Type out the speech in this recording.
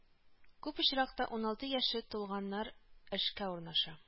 Күп очракта ун алты яше тулганнар эшкә урнаша